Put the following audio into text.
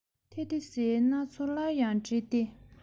ཐེ རྡི སིའི གནའ མཚོ སླར ཡང བྲི སྟེ